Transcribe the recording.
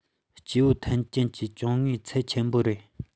སྐྱེ བོ ཐམས ཅད ཀྱིས ཅུང དངངས ཚབ ཆེན པོ ཡིན